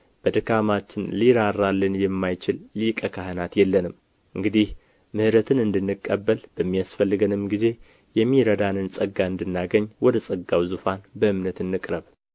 በድካማችን ሊራራልን የማይችል ሊቀ ካህናት የለንም እንግዲህ ምሕረትን እንድንቀበል በሚያስፈልገንም ጊዜ የሚረዳንን ጸጋ እንድናገኝ ወደ ጸጋው ዙፋን በእምነት እንቅረብ